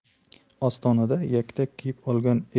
ostonada yaktak kiyib olgan